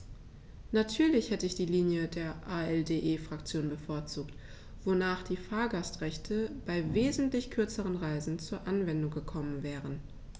Natürlich hätte ich die Linie der ALDE-Fraktion bevorzugt, wonach die Fahrgastrechte bei wesentlich kürzeren Reisen zur Anwendung gekommen wären.